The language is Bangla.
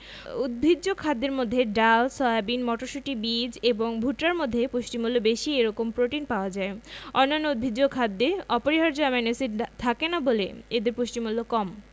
উদ্ভিজ্জ খাদ্যের মধ্যে ডাল সয়াবিন মটরশুটি বীজ এবং ভুট্টার মধ্যে পুষ্টিমূল্য বেশি এরকম প্রোটিন পাওয়া যায় অন্যান্য উদ্ভিজ্জ খাদ্যে অপরিহার্য অ্যামাইনো এসিড থাকে না বলে এদের পুষ্টিমূল্য কম